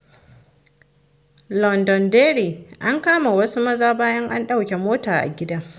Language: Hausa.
Londonderry: An kama wasu maza bayan an ɗauke mota a gidan